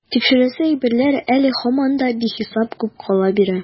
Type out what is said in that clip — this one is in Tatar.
Тикшерәсе әйберләр әле һаман да бихисап күп кала бирә.